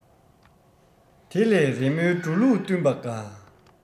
དེ ལས རི མོའི འགྲོ ལུགས བསྟུན པ དགའ